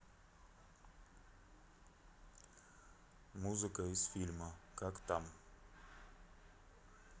музыка из фильма как там